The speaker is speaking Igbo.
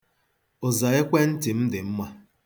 Ụza ekwentị m dị mma.